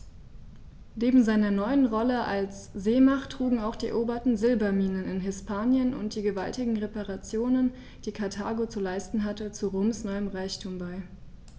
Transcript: Neben seiner neuen Rolle als Seemacht trugen auch die eroberten Silberminen in Hispanien und die gewaltigen Reparationen, die Karthago zu leisten hatte, zu Roms neuem Reichtum bei.